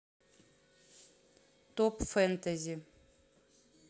топ фэнтези